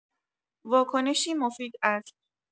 واکنشی مفید است.